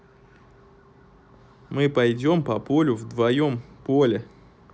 мы пойдем по полю вдвоем поле